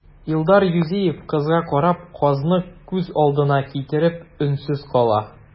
Илдар Юзеев, кызга карап, казны күз алдына китереп, өнсез кала.